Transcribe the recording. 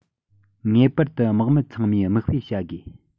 ངེས པར དུ དམག མི ཚང མའི མིག དཔེ བྱ དགོས